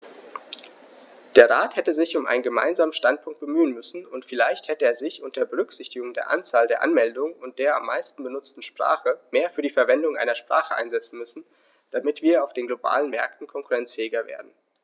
Der Rat hätte sich um einen gemeinsamen Standpunkt bemühen müssen, und vielleicht hätte er sich, unter Berücksichtigung der Anzahl der Anmeldungen und der am meisten benutzten Sprache, mehr für die Verwendung einer Sprache einsetzen müssen, damit wir auf den globalen Märkten konkurrenzfähiger werden.